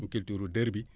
ou culture dër bi